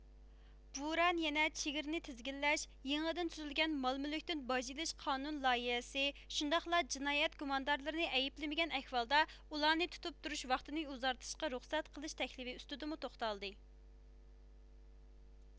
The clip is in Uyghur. بۇران يەنە چېگرىنى تىزگىنلەش يېڭىدىن تۈزۈلگەن مال مۈلۈكتىن باج ئېلىش قانۇن لايىھىسى شۇنداقلا جىنايەت گۇماندارلىرىنى ئەيىبلىمىگەن ئەھۋالدا ئۇلارنى تۇتۇپ تۇرۇش ۋاقتىنى ئۇزارتىشقا رۇخسەت قىلىش تەكلىپىى ئۈستىدىمۇ توختالدى